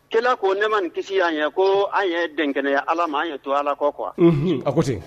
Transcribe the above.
Kɛlɛ ko ne ma ni nin kisi y' ye ko an ye denkɛkɛnɛya ala ma an ye to ala kɔ qu a ko ten